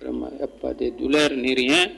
Vraiment, il n'y a de douleur ni rien